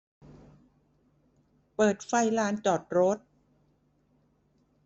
เปิดไฟลานจอดรถ